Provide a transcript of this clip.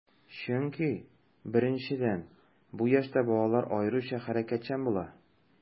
Чөнки, беренчедән, бу яшьтә балалар аеруча хәрәкәтчән була.